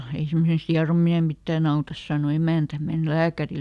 ei semmoisesta hierominen mitään auta sanoi emäntä mene lääkärille